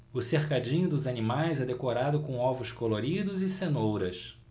o cercadinho dos animais é decorado com ovos coloridos e cenouras